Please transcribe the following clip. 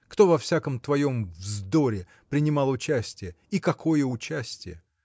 Кто во всяком твоем вздоре принимал участие, и какое участие!